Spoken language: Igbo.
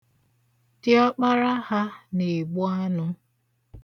Diọkpara ha na-egbu anụ.